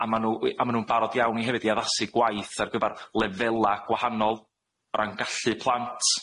a ma' nw we- a ma' nw'n barod iawn i hefyd i addasu gwaith ar gyfar lefela' gwahanol o ran gallu plant.